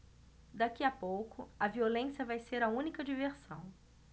daqui a pouco a violência vai ser a única diversão